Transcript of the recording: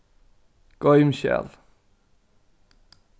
goym skjal